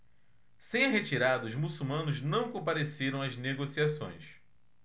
sem a retirada os muçulmanos não compareceram às negociações